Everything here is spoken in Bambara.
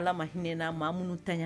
Ala ma hinɛinina maa minnu ta